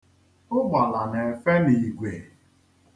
Ụgbala na-efe n'ìgwè.